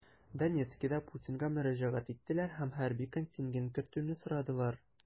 Донецкида Путинга мөрәҗәгать иттеләр һәм хәрби контингент кертүне сорадылар.